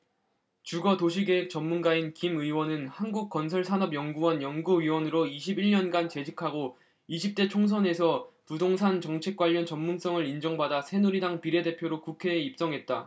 주거 도시계획 전문가인 김 의원은 한국건설산업연구원 연구위원으로 이십 일 년간 재직하고 이십 대 총선에서 부동산 정책 관련 전문성을 인정받아 새누리당 비례대표로 국회에 입성했다